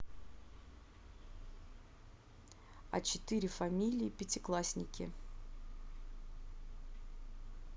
а четыре фамилии пятиклассники